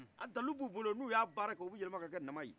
a dalilu bɛ u bolo n' u y' a baara u bɛ yɛlɛma ka kɛ nama ye